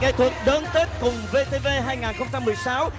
nghệ thuật đón tết cùng vê tê vê hai ngàn không trăm mười sáu